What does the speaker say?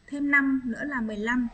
thêm nữa là